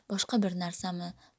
boshqa bir narsami